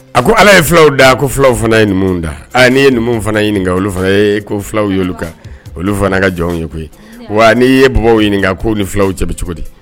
A ko ala ye filaw da ko fulaw fana ye numu da n' ye numu fana ɲininka olu fana ye ko filaw y' kan olu fana ka jɔn ye koyi wa n' ye b ɲini ɲininka ko ni filaw cɛ bɛ cogo di